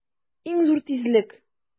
Иң зур тизлек!